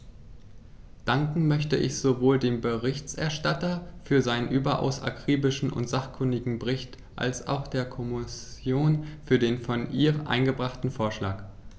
Danken möchte ich sowohl dem Berichterstatter für seinen überaus akribischen und sachkundigen Bericht als auch der Kommission für den von ihr eingebrachten Vorschlag.